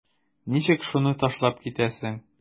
Ничек шуны ташлап китәсең?